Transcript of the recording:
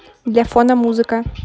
для фона музыка